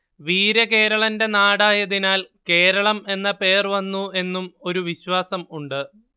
വീരകേരളന്റെ നാടായതിനാൽ കേരളം എന്ന പേർ വന്നു എന്നും ഒരു വിശ്വാസം ഉണ്ട്